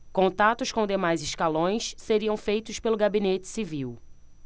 contatos com demais escalões seriam feitos pelo gabinete civil